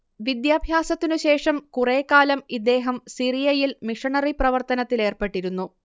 വിദ്യാഭ്യാസത്തിനുശേഷം കുറേക്കാലം ഇദ്ദേഹം സിറിയയിൽ മിഷനറി പ്രവർത്തനത്തിലേർപ്പെട്ടിരുന്നു